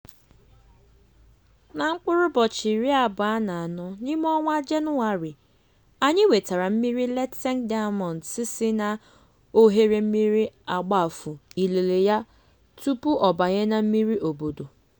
Na mkpụrụụbọchị iri abụọ na anọ n'ime ọnwa Jenụwarị, anyị wetara mmiri Letseng Diamonds si na oghere mmiri agbafu ilele ya tupu ọ banye na mmiri obodo.